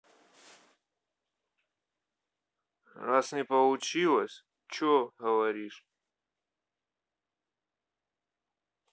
раз не получилось че говоришь